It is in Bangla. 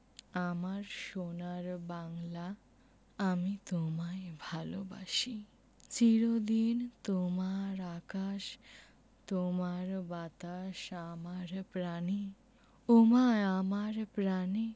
আমার সোনার বাংলা আমি তোমায় ভালোবাসি চির দিন তোমার আকাশ তোমার বাতাস আমার প্রাণে ওমা আমার প্রানে